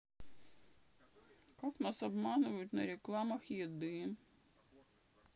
как нас обманывают на рекламах еды